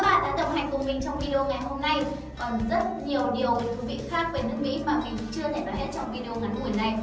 cảm ơn các bạn đã đồng hành cùng mình trong video ngày hôm nay còn rất nhiều điều thú vị khác về nước mỹ mà mình chưa thể nói hết trong video ngắn ngủi này